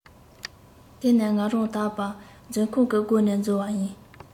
དེ ནས ང རང དལ བར མཛོད ཁང གི སྒོ ནས འཛུལ བ ཡིན